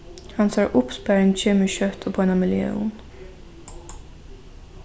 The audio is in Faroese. hansara uppsparing kemur skjótt upp á eina millión